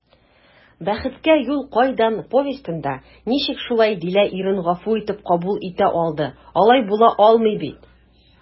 «бәхеткә юл кайдан» повестенда ничек шулай дилә ирен гафу итеп кабул итә алды, алай була алмый бит?»